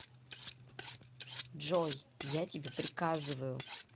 джой я тебе приказываю